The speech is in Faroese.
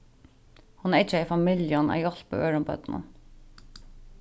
hon eggjaði familjum at hjálpa øðrum børnum